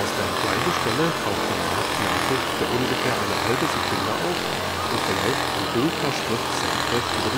der gleichen Stelle taucht danach die Nachricht für ungefähr eine halbe Sekunde auf und verläuft in dunkler Schrift senkrecht über